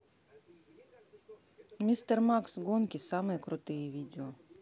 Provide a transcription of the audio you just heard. мистер макс гонки самые крутые видео